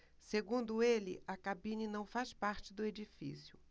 segundo ele a cabine não faz parte do edifício